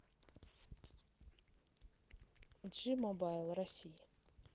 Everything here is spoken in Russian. j мобайл россии